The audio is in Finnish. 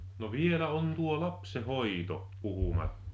no vielä on tuo lapsenhoito puhumatta